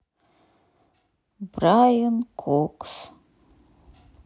брайан кокс